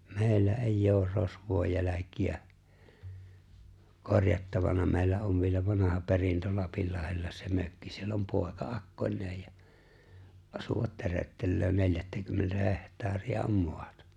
meillä ei ole rosvojen jälkiä korjattavana meillä on vielä vanha perintö Lapinlahdella se mökki siellä on poika akkoineen ja asua töröttelee neljättäkymmentä hehtaaria on maata